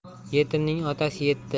yetimning otasi yetti